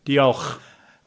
Diolch.